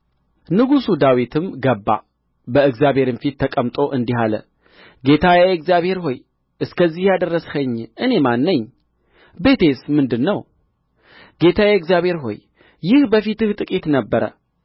ንጉሡ ዳዊትም ገባ በእግዚአብሔርም ፊት ተቀምጦ እንዲህ አለ ጌታዬ እግዚአብሔር ሆይ እስከዚህ ያደረስኸኝ እኔ ማን ነኝ ቤቴስ ምንድር ነው ጌታዬ እግዚአብሔር ሆይ ይህ በፊትህ ጥቂት ነበረ